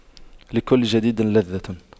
لكل جديد لذة